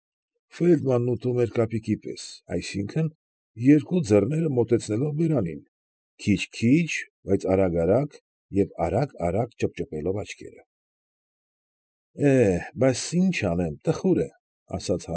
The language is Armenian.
Ֆեյլդմանն ուտում էր կապիկի պես, այսինքն՝ երկու ձեռները մոտեցնելով բերանին. քիչ֊քիչ, բայց արագ֊արագ և արագ֊արագ ճպճպելով աչքերը։ ֊ Է՛հ, բաս ի՞նչ անեմ, տխուր է,֊ ասաց։